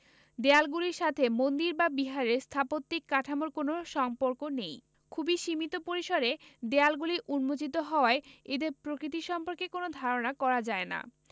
দেয়ালগুলির সাথে মন্দির বা বিহারের স্থাপত্যিক কাঠামোর কোন সম্পর্ক নেই খুবই সীমিত পরিসরে দেয়ালগুলি উন্মোচিত হওয়ায় এদের প্রকৃতি সম্পর্কে কোন ধারণা করা যায় না